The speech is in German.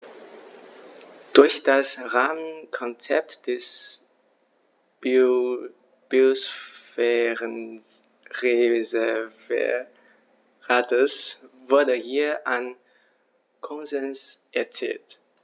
Durch das Rahmenkonzept des Biosphärenreservates wurde hier ein Konsens erzielt.